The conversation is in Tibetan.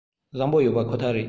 བཟང པོ ཡོད པ ཁོ ཐག རེད